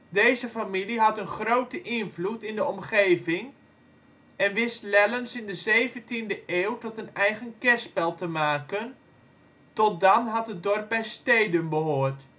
Deze familie had een grote invloed in de omgeving en wist Lellens in de zeventiende eeuw tot een eigen kerspel te maken, tot dan had het dorp bij Stedum behoord